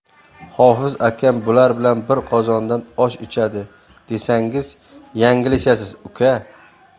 hofiz akam bular bilan bir qozondan osh ichadi desangiz yanglishasiz uka